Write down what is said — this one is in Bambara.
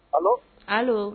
Allo